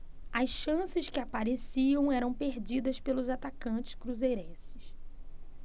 as chances que apareciam eram perdidas pelos atacantes cruzeirenses